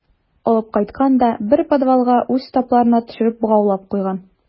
Алып кайткан да бер подвалга үз штабларына төшереп богаулап куйган.